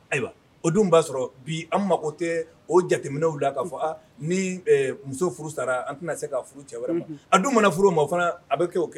Ayiwa, o dun b'a sɔrɔ bi an mako tɛ o jateminɛw la; Un; K'a fɔ, aa, ni muso furu sara an tɛna se ka furu cɛ wɛrɛ ma; Unhun; A dun mana furu o ma fana a bɛ kɛ o kɛ